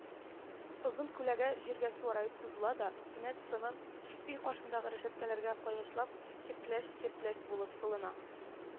Озын күләгә җиргә сураеп сузыла да, кинәт сынып, өй каршындагы рәшәткәләргә кыйгачлап киртләч-киртләч булып сылана